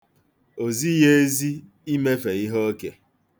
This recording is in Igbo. O zighi ezi imefe ihe oke.